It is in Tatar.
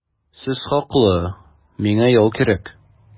Сез хаклы, миңа ял кирәк.